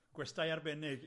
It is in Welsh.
gwestai arbennig...